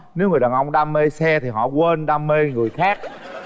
nếu người đàn ông đam mê xe thì họ quên đam mê người khác